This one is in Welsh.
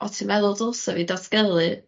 o ti'n meddwl dylsa fi datgelu